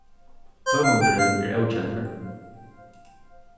høvundurin er ókendur